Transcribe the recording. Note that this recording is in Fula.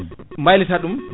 baylita ɗum